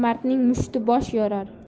nomardning mushti bosh yorar